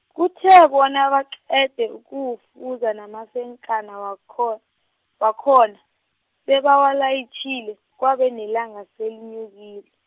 kuthe bona baqede ukuwufuza namasenkana wakho-, wakhona sebawalayitjhile, kwabe nelanga selenyukile.